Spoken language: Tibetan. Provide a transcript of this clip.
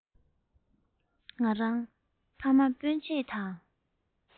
ང རང ཕ མ སྤུན ཆེད དང